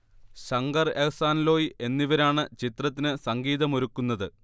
ശങ്കർ എഹ്സാൻ ലോയ് എന്നിവരാണ് ചിത്രത്തിന് സംഗീതമൊരുക്കുന്നത്